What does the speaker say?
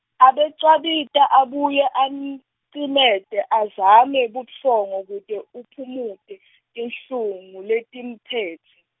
Abecwabita abuye ani -cimete, azame butfongo kute aphumute tinhlungu letimphetse.